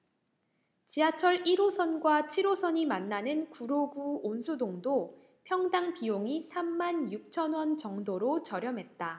지하철 일 호선과 칠 호선이 만나는 구로구 온수동도 평당 비용이 삼 만 육천 원 정도로 저렴했다